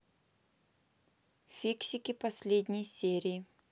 фиксики последние серии